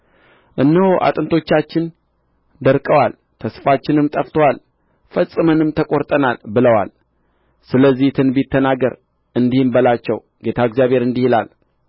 እነሆ አጥንቶቻችን ደርቀዋል ተስፋችንም ጠፍቶአል ፈጽመንም ተቈርጠናል ብለዋል ስለዚህ ትንቢት ተናገር እንዲህም በላቸው ጌታ እግዚአብሔር እንዲህ ይላል